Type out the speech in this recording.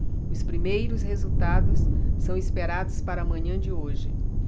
os primeiros resultados são esperados para a manhã de hoje